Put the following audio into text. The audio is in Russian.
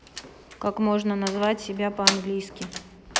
как можно назвать себя по английски